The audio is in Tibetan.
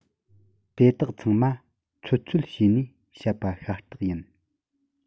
དེ དག ཚང མ ཚོད ཚོད བྱས ནས བཤད པ ཤ སྟག ཡིན